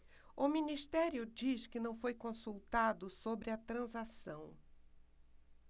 o ministério diz que não foi consultado sobre a transação